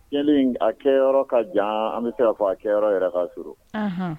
Cɛnlen a kɛyɔrɔ ka jan an bɛ se fɔ a kɛyɔrɔ yɛrɛ k'a suur